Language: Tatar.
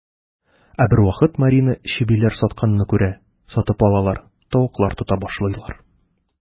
Ә бервакыт Марина чебиләр сатканны күрә, сатып алалар, тавыклар тота башлыйлар.